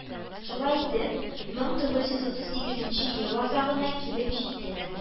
Шулай итеп, бер мен тугыз йөз утыз сигез ел азагына килеп җиттек